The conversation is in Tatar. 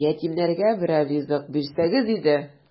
Ятимнәргә берәр ризык бирсәгез иде! ..